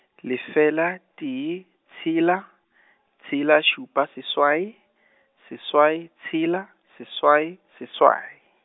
lefela, tee, tshela , tshela šupa seswai, seswai, tshela, seswai, seswai.